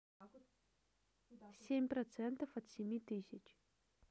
семь процентов от семи тысяч